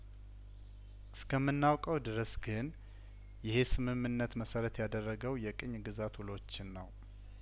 እስከምና ውቀው ድረስ ግን ይሄ ስምምነት መሰረት ያደረገው የቅኝ ግዛትው ሎችን ነው